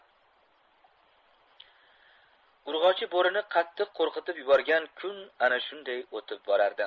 urg'ochi bo'rini qattiq qo'rqitib yuborgan kun ana shunday o'tib borardi